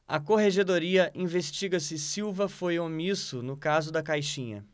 a corregedoria investiga se silva foi omisso no caso da caixinha